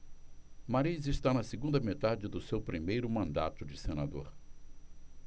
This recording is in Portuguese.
mariz está na segunda metade do seu primeiro mandato de senador